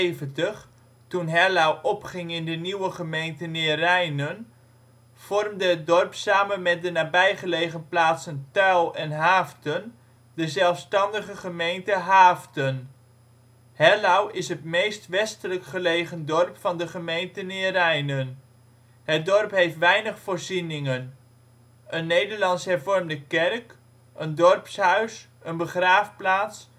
Vóór 1978, toen Hellouw opging in de nieuwe gemeente Neerijnen, vormde het dorp samen met de nabijgelegen plaatsen Tuil en Haaften de zelfstandige gemeente Haaften. Hellouw is het meest westelijk gelegen dorp van de gemeente Neerijnen. Het dorp heeft weinig voorzieningen; een Nederlandse Hervormde kerk, dorpshuis, begraafplaats